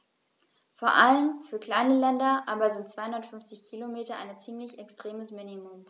Vor allem für kleine Länder aber sind 250 Kilometer ein ziemlich extremes Minimum.